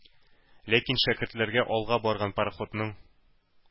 Ләкин шәкертләргә алга барган пароходның